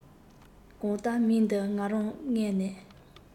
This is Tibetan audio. གང ལྟར མིང འདི ང རང མངལ ནས